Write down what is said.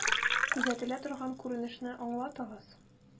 Күзәтелә торган күренешне аңлатыгыз.